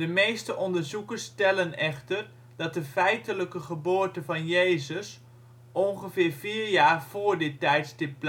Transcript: meeste onderzoekers stellen echter dat de feitelijke geboorte van Jezus ongeveer vier jaar vóór dit tijdstip plaatsvond